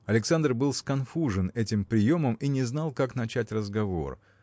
Александр был сконфужен этим приемом и не знал, как начать разговор.